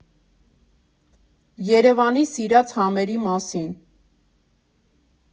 Երևանի սիրած համերի մասին։